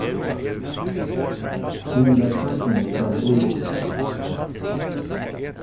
eg læt børnini spæla úti